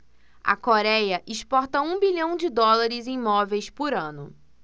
a coréia exporta um bilhão de dólares em móveis por ano